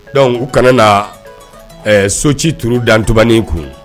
Donc u kana naa ɛɛ so ci turu da ntubani kun